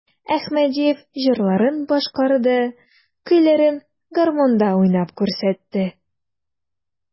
Әхмәдиев җырларын башкарды, көйләрен гармунда уйнап күрсәтте.